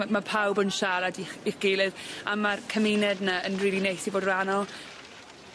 My' my' pawb yn siarad i'ch i'ch gilydd a ma'r cymuned 'ny yn rili neis i fod rhan o.